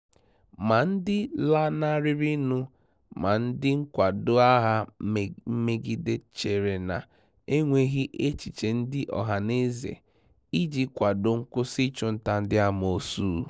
Ma ndị lanarịrịnụ ma ndị nkwado agha mmegide chere na enweghị echiche ndị ọhanaeze iji kwado nkwụsị ịchụnta ndị amoosu.